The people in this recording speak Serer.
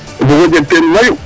o bug o jeg teen mayu,